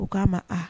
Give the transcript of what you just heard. O k'a ma a